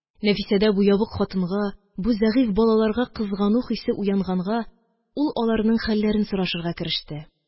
Нәфисәдә бу ябык хатынга, бу зәгыйфь балаларга кызгану хисе уянганга, ул аларның хәлләрен сорашырга кереште.